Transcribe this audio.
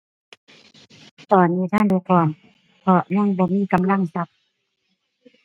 ตอนนี้ทันได้พร้อม เพราะยังบ่มีกำลังทรัพย์